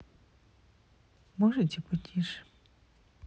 можете потише